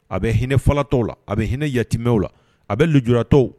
A bɛ hinɛfa tɔw la a bɛ hinɛ yatiw la a bɛ julara tɔw